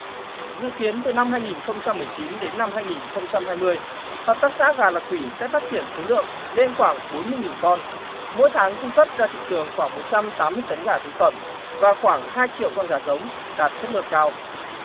dự kiến từ năm hai nghìn không trăm mười chín đến năm hai nghìn không trăm hai mươi hợp tác xã gà lạc thủy sẽ phát triển số lượng lên khoảng bốn nghìn con mỗi tháng cung cấp ra thị trường khoảng một trăm tám tấn gà thực phẩm và khoảng hai triệu con gà giống đạt chất lượng cao